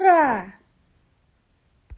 Ура!